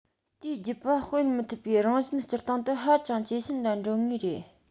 དེའི རྒྱུད པ སྤེལ མི ཐུབ པའི རང བཞིན སྤྱིར བཏང དུ ཧ ཅང ཇེ ཞན ལ འགྲོ ངེས རེད